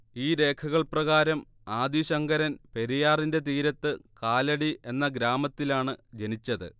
ഈ രേഖകൾ പ്രകാരം ആദി ശങ്കരൻ പെരിയാറിന്റെ തീരത്ത് കാലടി എന്ന ഗ്രാമത്തിലാണ് ജനിച്ചത്